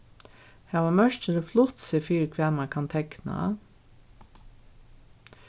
hava mørkini flutt seg fyri hvat mann kann tekna